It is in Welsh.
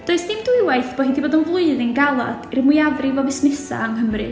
Does dim dwywaith bod hi wedi bod yn flwyddyn galed i'r mwyafrif o fusnesau yng Nghymru.